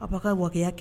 Aw' ka waya kɛ